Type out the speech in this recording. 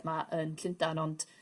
'ma yn Llundan ond